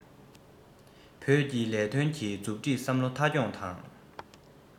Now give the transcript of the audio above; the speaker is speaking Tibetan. བོད ཀྱི ལས དོན གྱི མཛུབ ཁྲིད བསམ བློ མཐའ འཁྱོངས དང